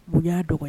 Mun y'a dɔgɔya